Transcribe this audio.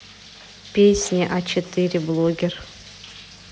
песни а четыре блогер